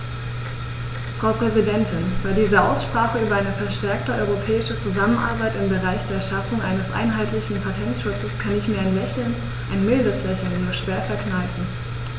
Frau Präsidentin, bei dieser Aussprache über eine verstärkte europäische Zusammenarbeit im Bereich der Schaffung eines einheitlichen Patentschutzes kann ich mir ein Lächeln - ein mildes Lächeln - nur schwer verkneifen.